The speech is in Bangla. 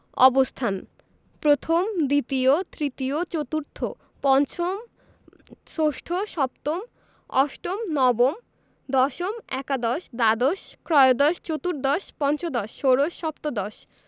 অবস্থানঃ প্রথম দ্বিতীয় তৃতীয় চতুর্থ পঞ্চম ষষ্ঠ সপ্তম অষ্টম নবম দশম একাদশ দ্বাদশ ত্ৰয়োদশ চতুর্দশ পঞ্চদশ ষোড়শ সপ্তদশ